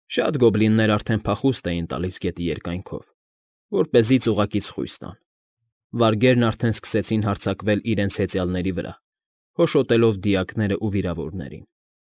Շատ գոբլիններ արդեն փախուստ էին տալիս գետի երկայնքով, որպեսզի ծուղկից խույս տան, վարգերն արդեն սկսեցին հարձակվել իրենց հեծյալների վրա, հոշոտելով դիակներն ու վիրավորներին։